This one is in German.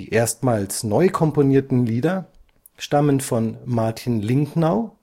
erstmals neu komponierten Lieder stammen von Martin Lingnau